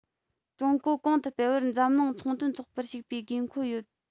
ཀྲུང གོ གོང དུ སྤེལ བར འཛམ གླིང ཚོང དོན ཚོགས པར ཞུགས པའི དགོས མཁོ ཡོད